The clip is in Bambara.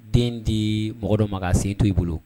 Den di mɔgɔ dɔ ma ka sen to i bolo.